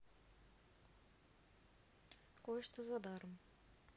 кое что задаром